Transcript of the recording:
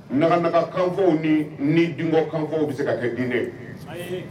Naganaga kanfaw ni nindungɔ kanfɔw bɛ se ka kɛ diinɛ ye wa? Ayi.